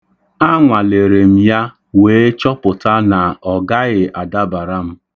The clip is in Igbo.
Anwalere m ya wee chọputa na ọ gaghị adabara m.